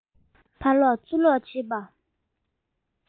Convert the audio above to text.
ཕར སློག ཚུར སློག བྱེད པ